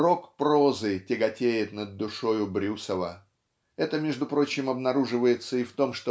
Рок прозы тяготеет над душою Брюсова. Это между прочим обнаруживается и в том